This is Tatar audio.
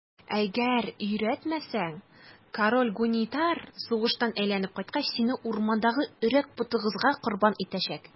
Әгәр өйрәтмәсәң, король Гунитар сугыштан әйләнеп кайткач, сине урмандагы Өрәк потыгызга корбан итәчәк.